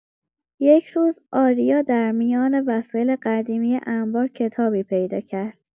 یک روز، آریا در میان وسایل قدیمی انبار، کتابی پیدا کرد.